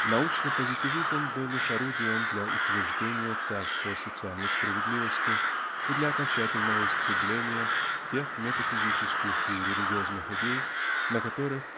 Научный позитивизм был лишь орудием для утверждения царства социальной справедливости и для окончательного истребления тех метафизические и религиозных идей на которых